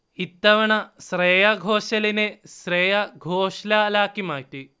ഇത്തവണ ശ്രേയാ ഘോഷലിനെ ശ്രേയാ ഘോഷ്ലാലാക്കി മാറ്റി